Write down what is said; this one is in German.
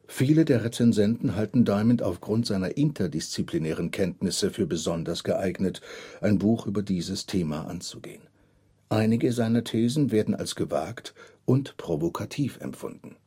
Viele der Rezensenten halten Diamond aufgrund seiner interdisziplinären Kenntnisse für besonders geeignet, ein Buch über dieses Thema anzugehen. Einige seiner Thesen werden als gewagt und provokativ empfunden